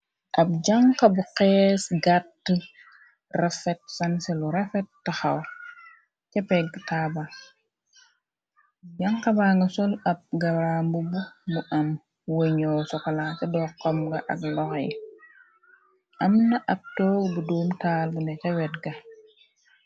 ab janxa bu xees gatt rofet sanse lu rafet taxaw ca peg taaba janxaba nga sol ab garambu bu bu am woñoo sokola ca doxxam ga ak ldox yi amna ab toog bu duum taalne ca wet ga